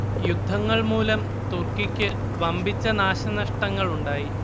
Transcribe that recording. യുദ്ധങ്ങൾ മൂലം തുർക്കിക്ക് വമ്പിച്ച നാശനഷ്ടങ്ങളുണ്ടായി